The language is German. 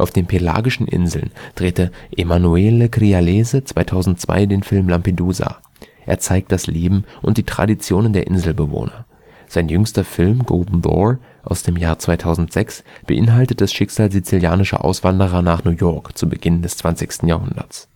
den Pelagischen Inseln drehte Emanuele Crialese 2002 den Film Lampedusa. Er zeigt das Leben und die Traditionen der Inselbewohner. Sein jüngster Film Golden Door aus dem Jahr 2006 beinhaltet das Schicksal sizilianischer Auswanderer nach New York zu Beginn des 20. Jahrhunderts